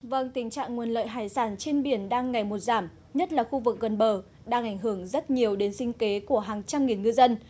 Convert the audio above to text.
vâng tình trạng nguồn lợi hải sản trên biển đang ngày một giảm nhất là khu vực gần bờ đang ảnh hưởng rất nhiều đến sinh kế của hàng trăm nghìn ngư dân